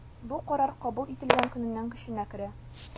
Бу карар кабул ителгән көннән көченә керә.